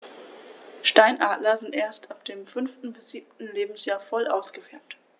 Steinadler sind erst ab dem 5. bis 7. Lebensjahr voll ausgefärbt.